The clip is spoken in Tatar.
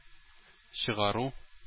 Чыгару